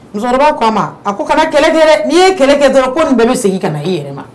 Musokɔrɔba ko a ma a ko kana kɛlɛi ye kɛlɛ kɛ dɔrɔn ko nin dɛmɛ segin ka i yɛrɛ ma